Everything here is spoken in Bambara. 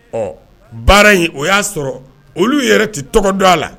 Ɔ baara in o y'a sɔrɔ olu yɛrɛ tɛ tɔgɔ dɔ a la